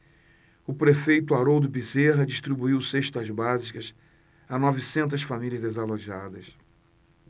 o prefeito haroldo bezerra distribuiu cestas básicas a novecentas famílias desalojadas